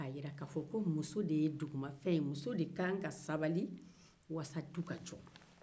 k'a jira k'a fɔ ko muso de ye dugumafɛn ye muso de k'an ka sabali walasa du ka jɔ